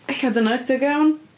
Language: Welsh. Ella dyna ydy o go iawn?